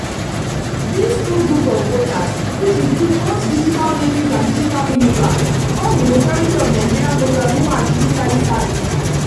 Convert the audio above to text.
These two groups of voters, which include both digital natives and digital immigrants, form the majority of Nigerian voters who are digitally savvy.